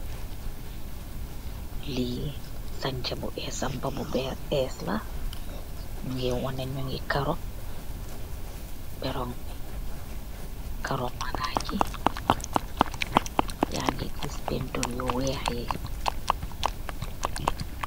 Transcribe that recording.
Lee sancha bu ess la muge wanee nuge karou perung be karou marang yee yage giss painturr yu weeh yee.